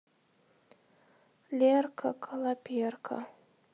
лерка калаперка